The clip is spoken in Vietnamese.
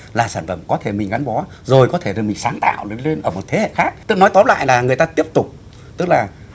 là sản phẩm có thể mình gắn bó dồi có thể là mình sáng tạo được lên ở một thế hệ khác tức nói tóm lại là người ta tiếp tục tức là